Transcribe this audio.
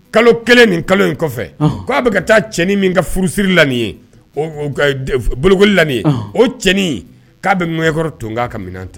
Kalo kelen nin kalo in kɔfɛ k'a bɛ ka taa cɛnin min ka furusiri la ye bolokoli o cɛnin k'a bɛ ŋkɔrɔ to k'a ka minɛn ta